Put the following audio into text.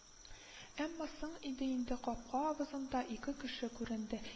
Әмма соң иде инде, капка авызында ике кеше күренде